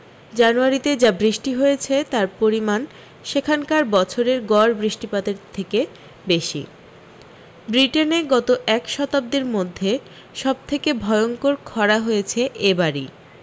জানুয়ারিতে যা বৃষ্টি হয়েছে তার পরিমাণ সেখানকার বছরের গড় বৃষ্টিপাতের থেকে বেশী ব্রিটেনে গত এক শতাব্দীর মধ্যে সব থেকে ভয়ঙ্কর খরা হয়েছে এ বারই